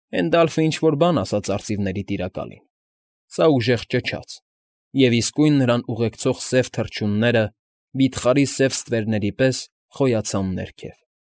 Հենդալֆը ինչ֊որ բան ասաց արծիների Տիրակալին, սա ուժեղ ճչաց, և իսկույն նրան ուղեկցող սև թռչունները վիթխարի սև ստվերների պես խոյացան ներքև։